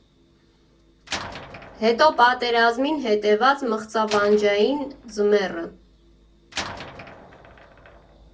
Հետո պատերազմին հետևած մղձավանջային ձմեռը։